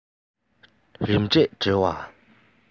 རིམ གྲས འབྲེལ བ